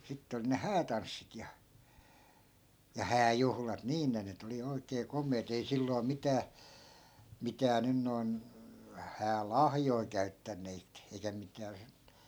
sitten oli ne häätanssit ja ja hääjuhlat niin ne nyt oli oikein komeat ei silloin mitään mitään nyt noin häälahjoja käyttäneet eikä mitään -